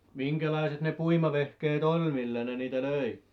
minkälaiset ne puimavehkeet oli millä ne niitä löi